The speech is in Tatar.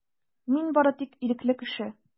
Мин бары тик ирекле кеше.